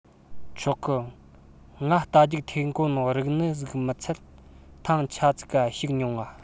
ཆོག གི ང རྟ རྒྱུག འཐེན གོ ནོ རིག ནིས མི ཚད ཐེངས ཆ ཙིག ག ཞུགས མྱོང ང